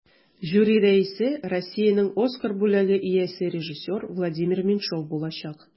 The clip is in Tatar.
Жюри рәисе Россиянең Оскар бүләге иясе режиссер Владимир Меньшов булачак.